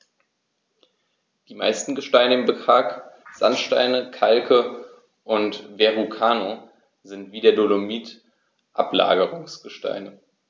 Die meisten Gesteine im Park – Sandsteine, Kalke und Verrucano – sind wie der Dolomit Ablagerungsgesteine.